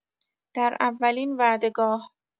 در اولین وعدهگاه